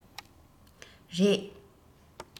རེད